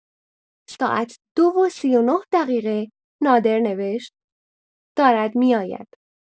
ساعت دو و ۳۹ دقیقه نادر نوشت: دارد می‌آید.